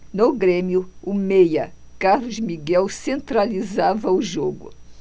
no grêmio o meia carlos miguel centralizava o jogo